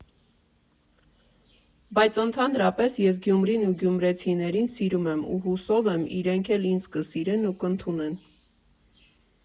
Բայց ընդհանրապես ես Գյումրին ու գյումրեցիներին սիրում եմ ու հուսով եմ՝ իրենք էլ ինձ կսիրեն ու կընդունեն։